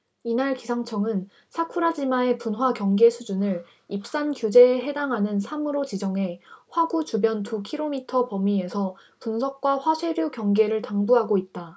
이날 기상청은 사쿠라지마의 분화 경계 수준을 입산 규제에 해당하는 삼 으로 지정해 화구 주변 두 키로미터범위에서 분석과 화쇄류 경계를 당부하고 있다